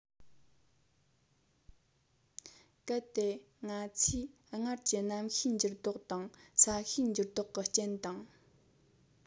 གལ ཏེ ང ཚོས སྔར གྱི གནམ གཤིས འགྱུར ལྡོག དང ས གཤིས འགྱུར ལྡོག གི རྐྱེན དང